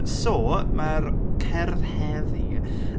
So mae'r cerdd heddi.